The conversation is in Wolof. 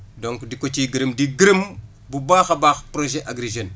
donc di ko ciy gërëmdi gërëm bu baax a baax projet Agri Jeunes